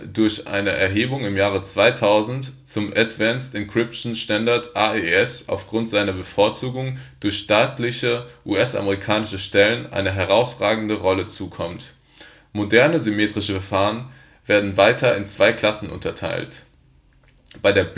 durch seine Erhebung im Jahre 2000 zum Advanced Encryption Standard (AES) und aufgrund seiner Bevorzugung durch staatliche US-amerikanische Stellen eine herausragende Rolle zukommt. Moderne symmetrische Verfahren werden weiter in zwei Klassen unterteilt: Bei der Blockverschlüsselung